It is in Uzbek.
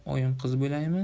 oyimqiz bo'laymi